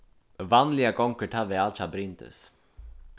vanliga gongur tað væl hjá bryndis